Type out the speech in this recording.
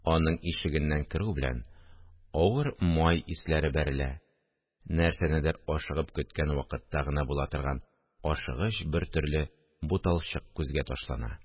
Аның ишегеннән керү белән, авыр май исләре бәрелә, нәрсәнедер ашыгып көткән вакытта гына була торган ашыгыч бертөрле буталчык күзгә ташлана